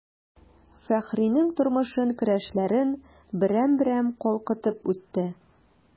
Фәхринең тормышын, көрәшләрен берәм-берәм калкытып үтте.